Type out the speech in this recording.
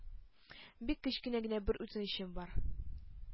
Бик кечкенә генә бер үтенечем бар.